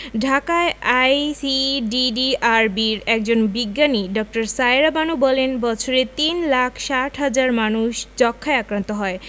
ঢাকায় আইসিডিডিআরবির একজন বিজ্ঞানী ড. সায়েরা বানু বলেন বছরে তিন লাখ ৬০ হাজার মানুষ যক্ষ্মায় আক্রান্ত হয়